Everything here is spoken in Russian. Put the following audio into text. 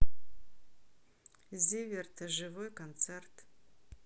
зиверт живой концерт